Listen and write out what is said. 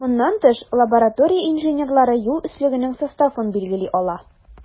Моннан тыш, лаборатория инженерлары юл өслегенең составын билгели ала.